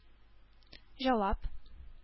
Җавап